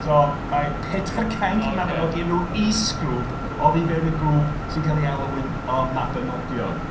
So mae Pedair Cainc Y Mabinogi yn ryw is-grŵp oddi fewn y grŵp sy'n cael ei alw'n Y Mabiniogion.